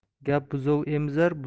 gap buzov emizar